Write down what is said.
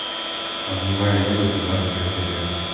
обнимая небо двенадцатая серия